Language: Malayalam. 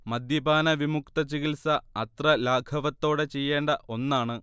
മദ്യപാന വിമുക്തചികിത്സ അത്ര ലാഘവത്തോടെ ചെയ്യേണ്ട ഒന്നാണ്